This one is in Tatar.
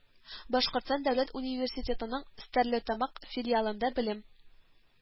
Башкортстан дәүләт университетының Стәрлетамак филиалында белем